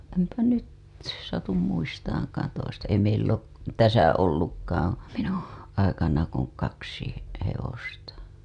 en nyt satu muistamaankaan toista ei meillä ole tässä ollutkaan minun aikana kuin kaksi - hevosta